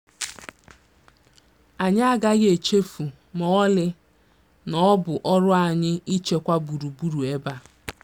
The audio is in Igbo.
Anyị agaghị echefu ma ọlị na ọ bụ ọrụ anyị ichekwa gburugburu ebe a.